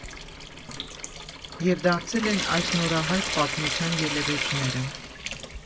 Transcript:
Եվ դարձել են այս նորահայտ պատմության ելևէջները։